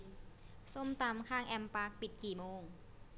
ส้มตำข้างแอมปาร์คปิดกี่โมง